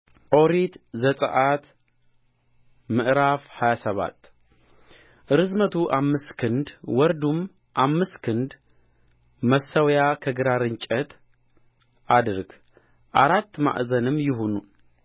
ኦሪት ዘጽአት ምዕራፍ ሃያ ሰባት ርዝመቱ አምስት ክንድ ወርዱም አምስት ክንድ መሠዊያ ከግራር እንጨት አድርግ አራት ማዕዘንም ይሁን